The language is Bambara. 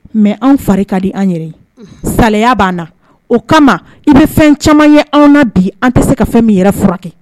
Mɛ an fari ka di an yɛrɛ saya b' na o kama i bɛ fɛn caman ye an na bi an tɛ se ka fɛn min yɛrɛ furakɛ kɛ